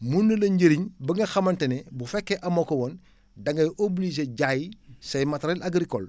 mun na la njëriñ ba nga xamante ne bu fekkee amoo ko woon da ngay obligé jaay say matériels agricoles